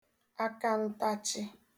akantachị